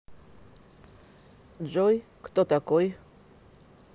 джой кто такой